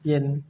เย็น